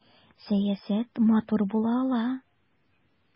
Сәясәт матур була ала!